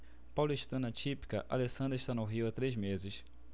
paulistana típica alessandra está no rio há três meses